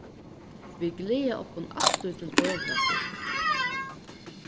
vit gleða okkum altíð til døgurðatíð